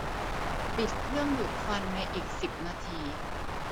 ปิดเครื่องดูดควันในอีกสิบนาที